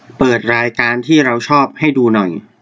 เปิดรายการที่เราชอบให้ดูหน่อย